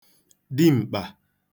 dim̀kpà